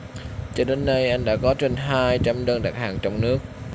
cho đến nay anh đã có trên hai trăm đơn đặt hàng trong nước